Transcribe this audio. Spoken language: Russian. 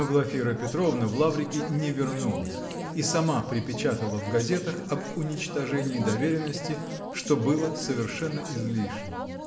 Глафира Петровна в Лаврики не вернулась и сама припечатала в газетах об уничтожении доверенности, что было совершенно излишне.